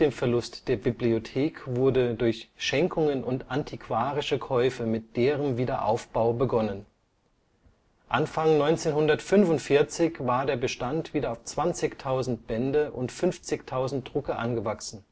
Verlust der Bibliothek wurde durch Schenkungen und antiquarische Käufe mit deren Wiederaufbau begonnen. Anfang 1945 war der Bestand wieder auf 20.000 Bände und 50.000 Drucke angewachsen